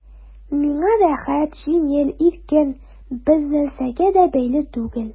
Миңа рәхәт, җиңел, иркен, бернәрсәгә дә бәйле түгел...